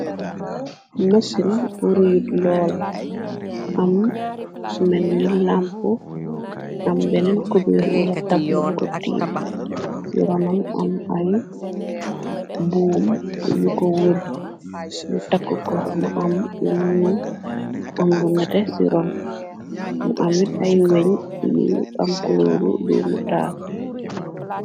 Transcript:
mësin wuru yut lool am men ni làmp am beneen kubir wala table buko tiim ci ronam am ay buum yu ko wur lu takk ko mu am lu ñuul am lu nete ci ron mu amit ay weñ yilu am kulóoru dumu taar